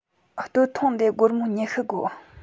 སྟོད ཐུང འདི སྒོར མོ ཉི ཤུ དགོ